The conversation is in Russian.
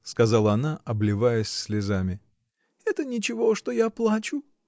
— сказала она, обливаясь слезами, — это ничего, что я плачу.